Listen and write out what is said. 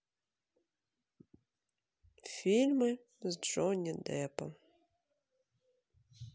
фильмы с джонни депом